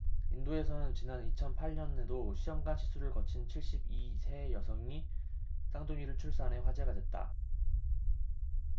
인도에서는 지난 이천 팔 년에도 시험관시술을 거친 칠십 이 세 여성이 쌍둥이를 출산해 화제가 됐다